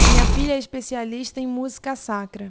minha filha é especialista em música sacra